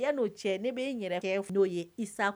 I yan n'o cɛ ne bɛ yɛrɛ kɛ n'o ye